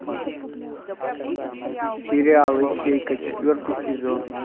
сериал ищейка четвертый сезон